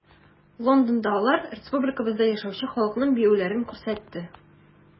Лондонда алар республикабызда яшәүче халыклар биюләрен күрсәтте.